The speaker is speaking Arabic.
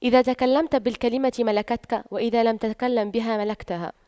إذا تكلمت بالكلمة ملكتك وإذا لم تتكلم بها ملكتها